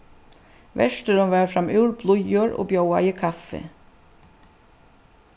verturin var framúr blíður og bjóðaði kaffi